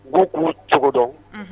G'u cogodɔn